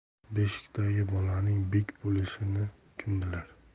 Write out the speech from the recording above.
beshikdagi bolaning bek bo'lishini kim bilar